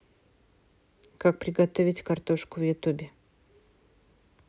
как приготовить картошку в ютубе